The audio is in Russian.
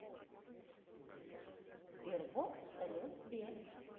sberbox салют сбер